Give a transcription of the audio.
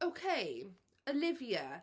OK, Olivia...